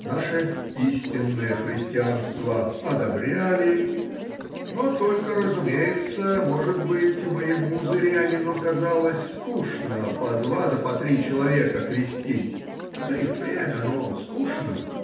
наше истинное христианство одобряли, но только, разумеется, может быть моему зырянину казалось скучно по два да по три человека крестить, да и впрямь оно скучно.